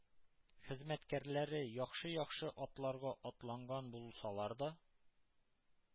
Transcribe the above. Хезмәткәрләре яхшы-яхшы атларга атланган булсалар да,